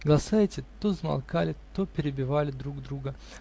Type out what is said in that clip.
Голоса эти то замолкали, то перебивали друг друга.